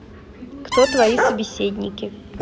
кто твои собеседники